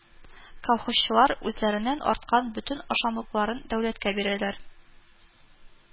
Колхозчылар үзләреннән арткан бөтен ашлыкларын дәүләткә бирәләр